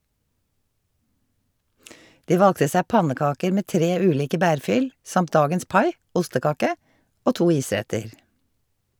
De valgte seg pannekaker med tre ulike bærfyll, samt dagens pai (ostekake) og to isretter.